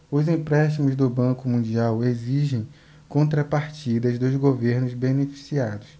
os empréstimos do banco mundial exigem contrapartidas dos governos beneficiados